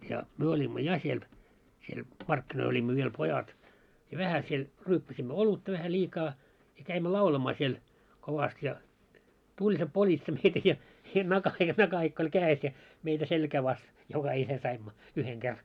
ja me olimme ja siellä siellä markkinoilla olimme vielä pojat ja vähän siellä ryyppäsimme olutta vähän liikaa ja kävimme laulamaan siellä kovasti ja tuli se politsa meitä ja ja - ja nakahikka oli kädessä ja meitä selkään vasten jokainen saimme yhden kerran